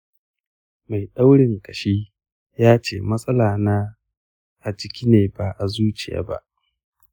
mai ɗaurin ƙashi yace matsala na a jiki ne ba a zuciya ba